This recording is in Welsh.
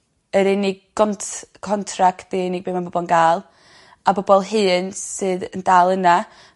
yr unig gons- contract ma' bobol a bobol hŷn sydd yn dal yna.